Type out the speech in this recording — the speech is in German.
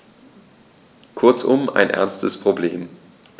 Kurzum, ein ernstes Problem.